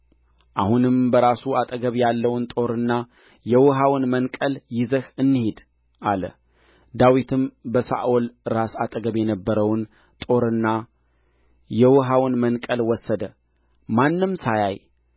አሁንም በራሱ አጠገብ ያለውን ጦርና የውኃውን መንቀል ይዘህ እንሂድ አለ ዳዊትም በሳኦል ራስ አጠገብ የነበረውን ጦርና የውኃውን መንቀል ወሰደ ማንም ሳያይ